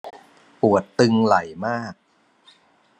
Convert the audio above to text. ปวดตึงไหล่มาก